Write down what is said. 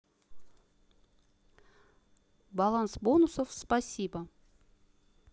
баланс бонусов спасибо